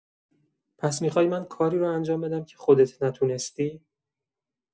پس می‌خوای من کاری رو انجام بدم که خودت نتونستی؟